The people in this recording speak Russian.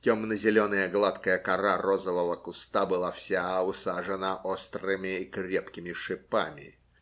Темно-зеленая гладкая кора розового куста была вся усажена острыми и крепкими шипами.